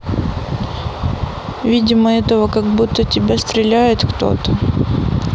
видимо этого как будто тебя стреляет кто то